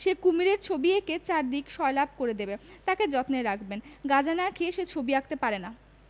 সে কুমীরের ছবি ঐকে চারদিকে ছয়লাপ করে দেবে তাকে যত্নে রাখবেন গাজা না খেয়ে সে ছবি আঁকতে পারে না